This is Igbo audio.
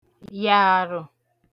yààrù